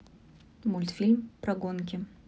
мультфильм про гонки